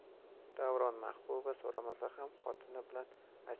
davron mahbuba so'ramasa ham xotini